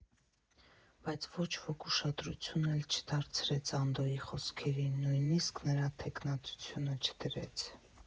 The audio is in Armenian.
Բայց ոչ ոք ուշադրություն էլ չդարձրեց Անդոյի խոսքերին՝ նույնիսկ նրա թեկնածությունը չդրեց։